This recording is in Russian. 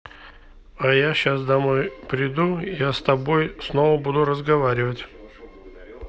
а я щас домой приду я с тобой снова буду разговаривать